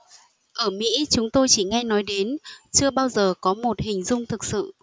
ở mỹ chúng tôi chỉ nghe nói đến chưa bao giờ có một hình dung thực sự